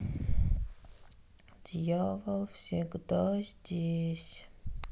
дьявол всегда здесь